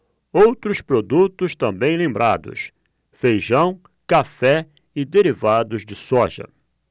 outros produtos também lembrados feijão café e derivados de soja